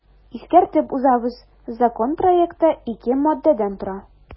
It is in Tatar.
Искәртеп узабыз, закон проекты ике маддәдән тора.